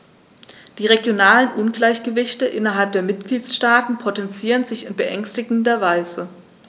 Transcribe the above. Die regionalen Ungleichgewichte innerhalb der Mitgliedstaaten potenzieren sich in beängstigender Weise.